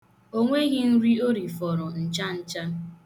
O nweghị nri o rifọrọ ncha ncha.